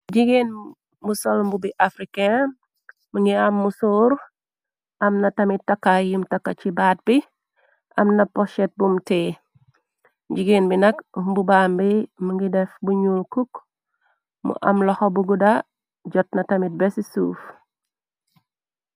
Jigeen bu sol mbu bi african , mungi am mu soor am na tamit takaay yum taka ci baat bi, am na pochet bum tée. Jigeen bi nag mbu baam bi mingi def bu ñuul cok, mu am loxo bu guda, jot na tamit besi suuf.